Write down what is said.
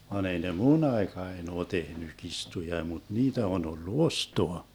vaan ei ne minun aikaani ole tehnyt kirstuja mutta niitä on ollut ostaa